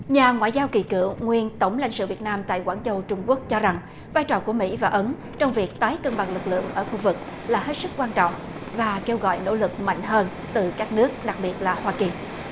nhà ngoại giao kỳ cựu nguyên tổng lãnh sự việt nam tại quảng châu trung quốc cho rằng vai trò của mỹ và ấn trong việc tái cân bằng lực lượng ở khu vực là hết sức quan trọng và kêu gọi nỗ lực mạnh hơn từ các nước đặc biệt là hoa kỳ